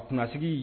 A kunsigi